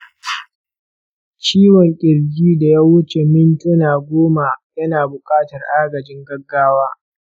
ciwon kirji daya wuce mintuna goma yana buƙatar agajin gaggawa.